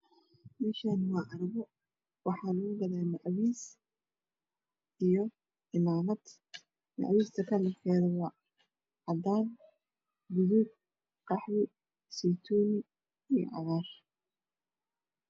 Meshaan waa carwo waxaa lagu gadaa macwiiz iyo cimaamad macmuuzta kalarkeedu waa cadan guduud qaxwi zaytuuni iyo cagaar